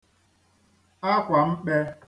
akwā mkpē